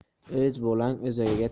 o'z bolang o'zagiga